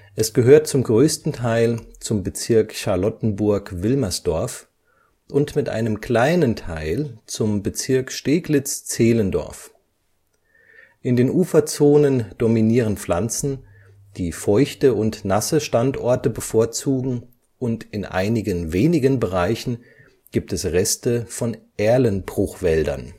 Es gehört zum größten Teil zum Bezirk Charlottenburg-Wilmersdorf und mit einem kleinen Teil zum Bezirk Steglitz-Zehlendorf. In den Uferzonen dominieren Pflanzen, die feuchte und nasse Standorte bevorzugen und in einigen wenigen Bereichen gibt es Reste von Erlenbruchwäldern